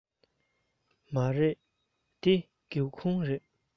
མ རེད འདི སྒེའུ ཁུང རེད